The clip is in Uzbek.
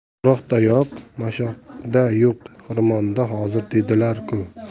o'roqdayo'q mashoqda yo'q xirmonda hozir deydilar ku